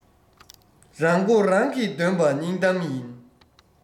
རང མགོ རང གིས འདོན པ སྙིང གཏམ ཡིན